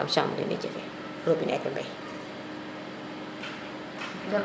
mi de kam chambre de métier fe